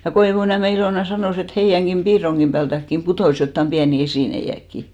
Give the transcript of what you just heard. ja Koivuniemen Ilona sanoi että heidänkin piirongin päältäkin putosi jotakin pieniä esineitäkin